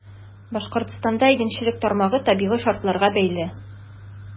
Башкортстанда игенчелек тармагы табигый шартларга бәйле.